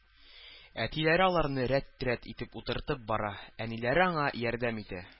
Әтиләре аларны рәт-рәт итеп утыртып бара, әниләре аңа ярдәм итә